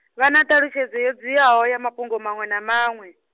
vha na ṱhalutshedzo yo dziaho ya mafhungo manwe na manwe.